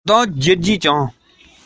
ལྕགས ཐབ ཀྱི འོག ཏུ ཉལ ནས